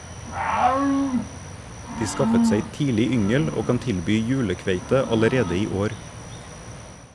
De skaffet seg tidlig yngel og kan tilby julekveite allerede i år.